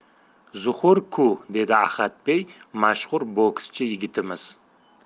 zuhur ku dedi ahadbey mashhur bokschi yigitimiz